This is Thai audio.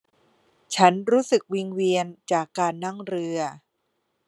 ฉันรู้สึกวิงเวียนจากการนั่งเรือ